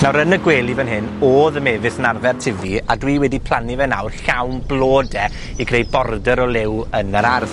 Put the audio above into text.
Nawr, yn y gwely fan hyn odd y mefus yn arfer tyfu a dwi wedi plannu fe nawr llawn blode i greu border o liw yn yr ardd.